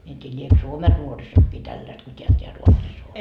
minä en tiedä liekö Suomen nuorisokin tällaista kuin tämä täällä Ruotsissa on